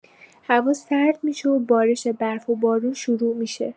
هوا سرد می‌شه و بارش برف و بارون شروع می‌شه.